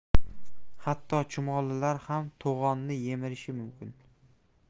hatto chumolilar ham to'g'onni yemirishi mumkin